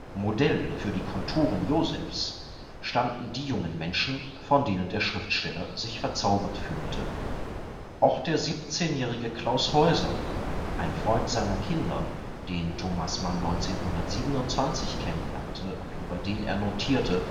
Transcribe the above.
Modell für die Konturen Josephs standen die jungen Menschen, von denen der Schriftsteller sich verzaubert fühlte. Auch der siebzehnjährige Klaus Heuser, ein Freund seiner Kinder, den Thomas Mann 1927 kennenlernte und über den er notierte